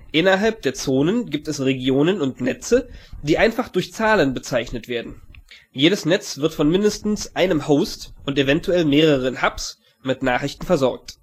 Innerhalb der Zonen gibt es Regionen und Netze, die einfach durch Zahlen bezeichnet werden. Jedes Netz wird von mindestens einem Host und evtl. mehreren Hubs mit Nachrichten versorgt